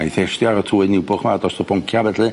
A'i thestio ar y twyni Niwbwch 'ma dros y boncia felly.